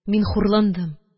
Мин хурландым